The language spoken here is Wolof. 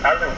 allo